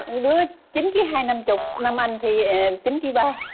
một đứa chín kí hai năm chục nam anh thì à chín kí ba